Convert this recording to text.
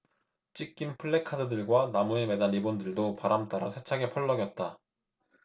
찢긴 플래카드들과 나무에 매단 리본들도 바람 따라 세차게 펄럭였다